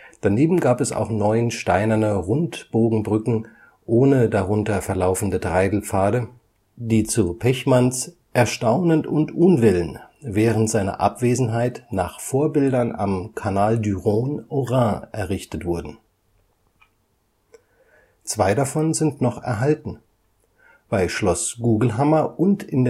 Daneben gab es auch neun steinerne Rundbogenbrücken ohne darunter verlaufende Treidelpfade, die zu Pechmanns „ Erstaunen und Unwillen “während seiner Abwesenheit nach Vorbildern am Canal du Rhône au Rhin errichtet wurden. Zwei davon sind noch erhalten: bei Schloss Gugelhammer und in